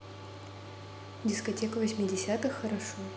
дискотека восьмидесятых хорошо